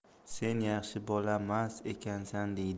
sen yaxshi bolamas ekansan deydi